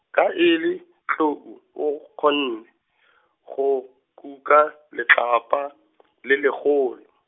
ka e le, tlou, o kgonne , go kuka, letlapa , le legolo.